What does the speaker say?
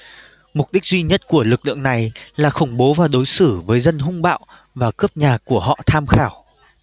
mục đích duy nhất của lực lượng này là khủng bố và đối xử với dân hung bạo và cướp nhà của họ tham khảo